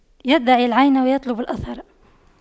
يدع العين ويطلب الأثر